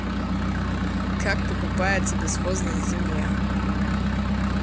как покупается бесхозная земля